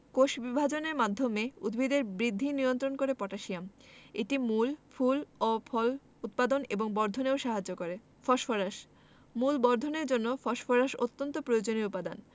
কোষবিভাজনের মাধ্যমে উদ্ভিদের বৃদ্ধি নিয়ন্ত্রণ করে পটাশিয়াম এটি মূল ফুল ও ফল উৎপাদন এবং বর্ধনেও সাহায্য করে ফসফরাস মূল বর্ধনের জন্য ফসফরাস অত্যন্ত প্রয়োজনীয় উপাদান